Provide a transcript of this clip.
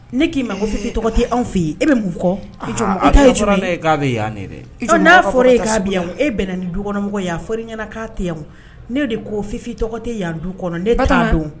Ne k'i ma ko fi tɔgɔ tɛ anw fɛ yen e mun kɔ'a e' yan e bɛ ni dukɔnɔmɔgɔ ɲɛna'a tɛ yan ne de ko fi tɔgɔ tɛ ya du kɔnɔ don